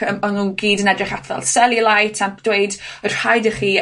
yym o'n nw'n gyd yn edrych at fel selulite a dweud, yr rhaid i chi